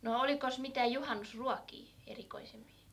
no olikos mitään juhannusruokia erikoisempia